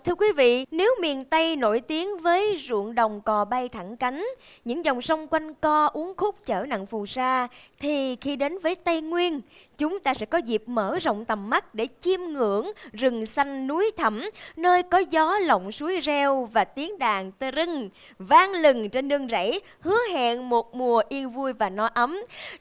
thưa quý vị nếu miền tây nổi tiếng với ruộng đồng cò bay thẳng cánh những dòng sông quanh co uốn khúc chở nặng phù sa thì khi đến với tây nguyên chúng ta sẽ có dịp mở rộng tầm mắt để chiêm ngưỡng rừng xanh núi thẳm nơi có gió lộng suối reo và tiếng đàn tơ rưng vang lừng trên nương rẫy hứa hẹn một mùa yên vui và no ấm